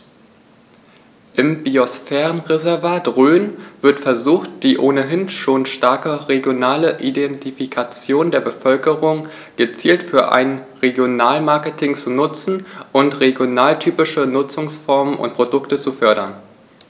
Im Biosphärenreservat Rhön wird versucht, die ohnehin schon starke regionale Identifikation der Bevölkerung gezielt für ein Regionalmarketing zu nutzen und regionaltypische Nutzungsformen und Produkte zu fördern.